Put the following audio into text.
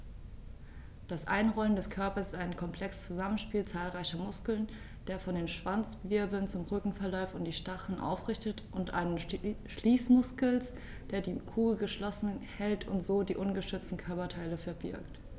Das Einrollen des Körpers ist ein komplexes Zusammenspiel zahlreicher Muskeln, der von den Schwanzwirbeln zum Rücken verläuft und die Stacheln aufrichtet, und eines Schließmuskels, der die Kugel geschlossen hält und so die ungeschützten Körperteile verbirgt.